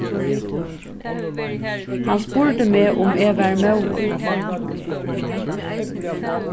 hann spurdi meg um eg var móður